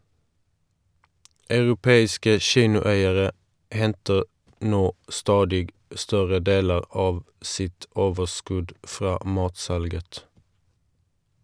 Europeiske kinoeiere henter nå stadig større deler av sitt overskudd fra matsalget.